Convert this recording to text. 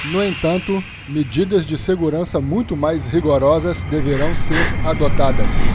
no entanto medidas de segurança muito mais rigorosas deverão ser adotadas